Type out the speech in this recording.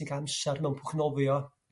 sy'n ca'l amsar mewn pwch nofio